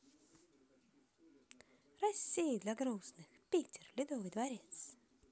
россия для грустных питер ледовый дворец